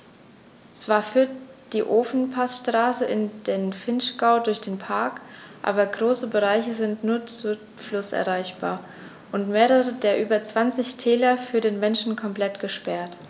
Zwar führt die Ofenpassstraße in den Vinschgau durch den Park, aber große Bereiche sind nur zu Fuß erreichbar und mehrere der über 20 Täler für den Menschen komplett gesperrt.